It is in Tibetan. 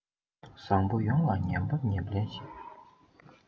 བཟང པོ ཡོངས ལ ངན པ ལབ ཉེན ཆེ